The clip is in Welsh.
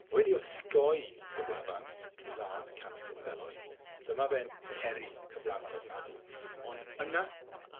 Wedi osgoi cyflafan drwy ladd cant o Wyddelod, dyma fe'n peri cyflafan ofnadw, ond yna